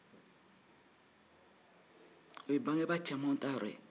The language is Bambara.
o ye bangebaga cɛmanw ta yɔrɔ ye